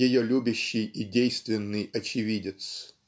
ее любящий и действенный очевидец.